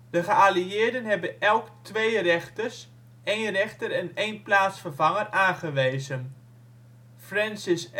De geallieerden hebben elk twee rechters (één rechter en één plaatsvervanger) aangewezen. Francis